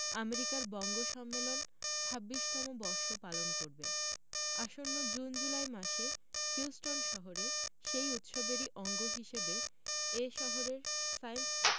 আমেরিকার বঙ্গ সম্মেলন ছাব্বিশতম বর্ষ পালন করবে আসন্ন জুন জুলাই মাসে হিউস্টন শহরে সেই উৎসবেরি অঙ্গ হিসেবে এ শহরের সায়েন্স